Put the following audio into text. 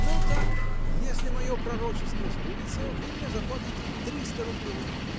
Ну так если мое пророчество сбудется, вы мне заплатите триста рублей.